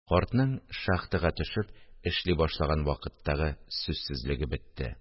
Картның шахтага төшеп эшли башлаган вакыттагы сүзсезлеге бетте